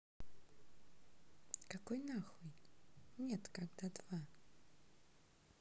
какой нахуй нет когда два